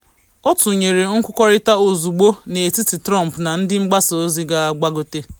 Ọ tụnyere nkwukọrịta ozugbo n’etiti Trump na ndị mgbasa ozi ga-agbagote.